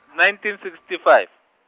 nineteen sixty five.